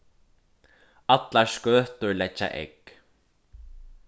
allar skøtur leggja egg